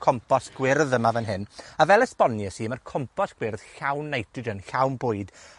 compos gwyrdd yma fan hyn, a fel esbonies i, ma'r compos gwyrdd llawn nitrogen, llawn bwyd.